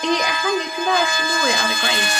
i ehangu pyn bach mwy ar y gwaith